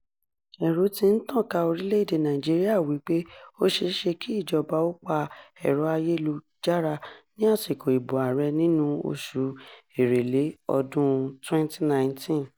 Ẹ̀rù ti ń tàn ká orílẹ̀-èdè Nàìjíríà wípé ó ṣe é ṣe kí ìjọba ó pa ẹ̀rọ-ayélujára ní àsìkò ìbò ààrẹ nínú oṣù Èrèlé ọdún-un 2019.